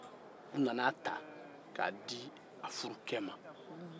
u nana a ta k'a di a furukɛ ma